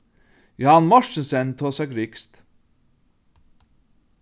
johan mortensen tosar grikskt